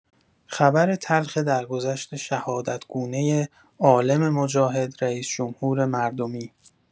خبر تلخ درگذشت شهادت گونۀ عالم مجاهد، رئیس‌جمهور مردمی